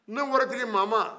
ne waritigi mama